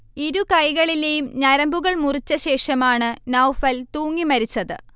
ഇരു കൈകളിലെയും ഞരമ്പുകൾ മുറിച്ചശേഷമാണ് നൗഫൽ തൂങ്ങിമരിച്ചത്